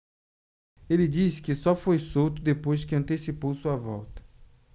ele disse que só foi solto depois que antecipou sua volta